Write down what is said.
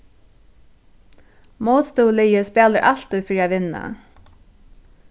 mótstøðuliðið spælir altíð fyri at vinna